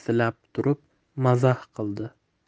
silab turib mazax qildi